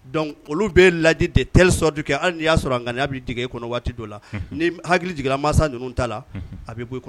Donc olu b'e ladi de telle sorte que halii n'i y'a sɔrɔ a ŋaniya bi jigi e kɔnɔ waati dɔ la unhun ni m hakili jigira mansa ninnu ta launhun a bi bɔ i kɔ